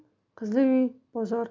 qizlik uy bozor